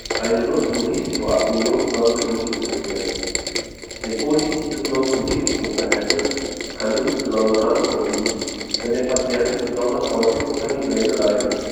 Eine Nutzen-Risiko-Abwägung sollte durchgeführt werden. Ein positives Nutzen-Risiko-Verhältnis kann insbesondere dann vorliegen, wenn der Patient besonders häufig unter Migräne leidet